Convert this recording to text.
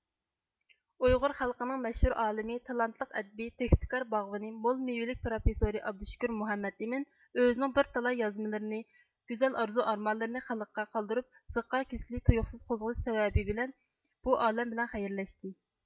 ئۇيغۇر خەلقىنىڭ مەشھۇر ئالىمى تالانتلىق ئەدىبى تۆھپىكار باغۋېنى مول مېۋىلىك پروفېسورى ئابدۇشكۇر مۇھەممەد ئىمىن ئۆزىنىڭ بىر تالاي يازمىلىرىنى گۈزەل ئارزۇ ئارمانلىرىنى خەلقىگە قالدۇرۇپ زېققا كېسىلى تۇيۇقسىز قوزغىلىشى سەۋەبى بىلەن بۇ ئالەم بىلەن خەيرلەشتى